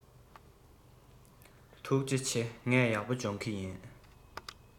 ཐུགས རྗེ ཆེ ངས ཡག པོ སྦྱོང གི ཡིན